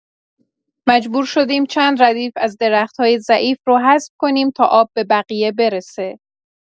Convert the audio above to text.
مجبور شدیم چند ردیف از درخت‌های ضعیف رو حذف کنیم تا آب به بقیه برسه.